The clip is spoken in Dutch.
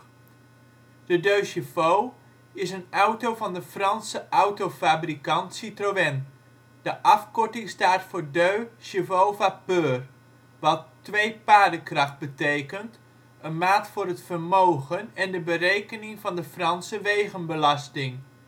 2CV is een auto van de Franse autofabrikant Citroën. De afkorting staat voor ' Deux Chevaux Vapeur ', wat twee paardenkracht stoom betekent, een maat voor het vermogen en de berekening van de Franse wegenbelasting